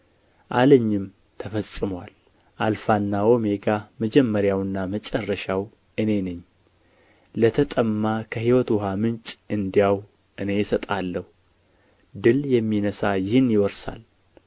አለኝም ተፈጽሞአል አልፋና ዖሜጋ መጀመሪያውና መጨረሻው እኔ ነኝ ለተጠማ ከሕይወት ውኃ ምንጭ እንዲያው እኔ እሰጣለሁ ድል የሚነሣ ይህን ይወርሳል